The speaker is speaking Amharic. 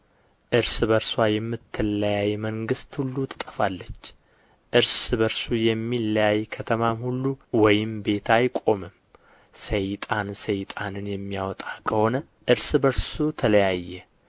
እርስ በርስዋ የምትለያይ መንግሥት ሁላ ትጠፋለች እርስ በርሱ የሚለያይ ከተማም ሁሉ ወይም ቤት አይቆምም ሰይጣንም ሰይጣንን የሚያወጣ ከሆነ እርስ በርሱ ተለያየ